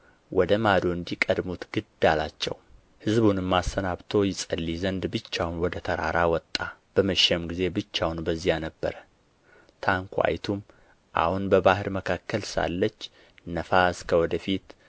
ወደ ማዶ እንዲቀድሙት ግድ አላቸው ሕዝቡንም አሰናብቶ ይጸልይ ዘንድ ብቻውን ወደ ተራራ ወጣ በመሸም ጊዜ ብቻውን በዚያ ነበረ ታንኳይቱም አሁን በባሕር መካከል ሳለች ነፋስ ከወደ ፊት